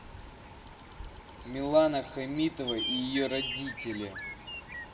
милана хамитова и ее родители